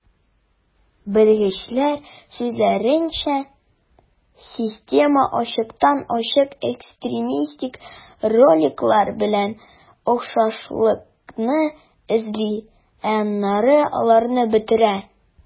Белгечләр сүзләренчә, система ачыктан-ачык экстремистик роликлар белән охшашлыкны эзли, ә аннары аларны бетерә.